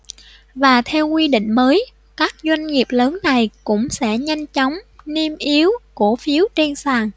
và theo quy định mới các doanh nghiệp lớn này cũng sẽ nhanh chóng niêm yếu cổ phiếu trên sàn